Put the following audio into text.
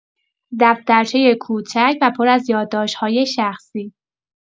دفترچه کوچک و پر از یادداشت‌های شخصی